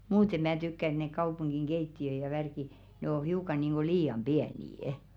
muuten minä tykkään että ne kaupungin keittiöt ja värkit ne on hiukan niin kuin liian pieniä